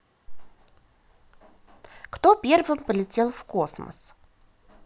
кто первым полетел в космос